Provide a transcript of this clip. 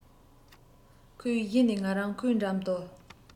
ཁོས གཞི ནས ང རང ཁོའི འགྲམ དུ